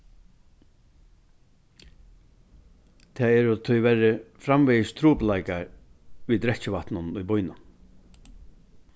tað eru tíverri framvegis trupulleikar við drekkivatninum í býnum